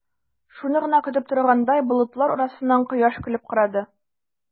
Шуны гына көтеп торгандай, болытлар арасыннан кояш көлеп карады.